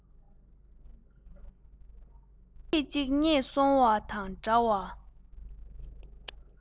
སྡོམ ཚིག ཅིག རྙེད སོང བ དང འདྲ བ